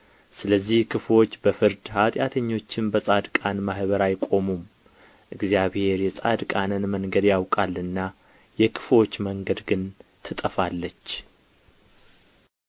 ስለዚህ ክፉዎች በፍርድ ኃጢአተኞችም በጻድቃን ማኅበር አይቆሙም እግዚአብሔር የጻድቃንን መንገድ ያውቃልና የክፉዎች መንገድ ግን ትጠፋለች